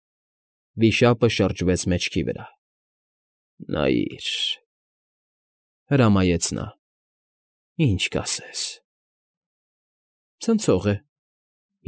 Վիշապը շրջվեց մեջքի վրա։ ֊ Նայի՛ր,֊ հրամայեց նա։֊ Ի՞նչ կասես։ ֊ Ցնցող է։